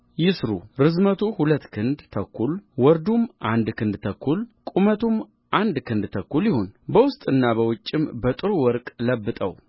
ይሥሩ ርዝመቱ ሁለት ክንድ ተኩል ወርዱም አንድ ክንድ ተኩል ቁመቱም አንድ ክንድ ተኩል ይሁን በውስጥና በውጭም በጥሩ ወርቅ ለብጠው